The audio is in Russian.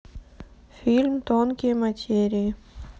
фильм тонкие материи